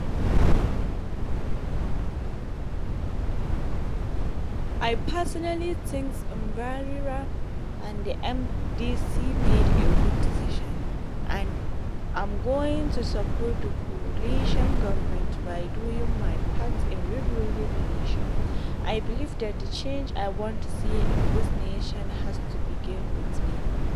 I personally think Tsvangirai and the MDC made a good decision and am going to support the coalition government by doing my part in rebuilding the nation, I believe that the change I want to see in this nation has to begin with me.